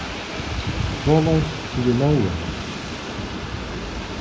soleiðis sigur lógin